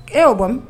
E y'o bɔ?